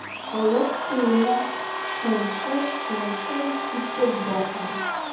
Халык көенә шыңшый-шыңшый китеп барды.